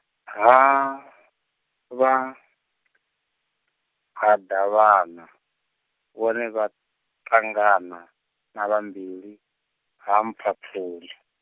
ha, vha, ha Davhana, vhone vha ṱangana, na vha Mbilwi, ha mphaphuli.